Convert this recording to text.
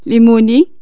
ليموني